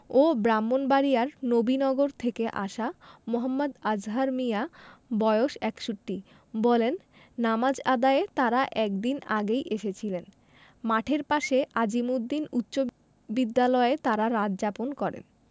ও ব্রাহ্মণবাড়িয়ার নবীনগর থেকে আসা মো. আজহার মিয়া বয়স ৬১ বলেন নামাজ আদায়ে তাঁরা এক দিন আগেই এসেছিলেন মাঠের পাশে আজিমুদ্দিন উচ্চবিদ্যালয়ে তাঁরা রাত যাপন করেন